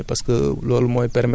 xëpp ko seen kaw